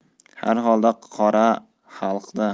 har holda qora xalq da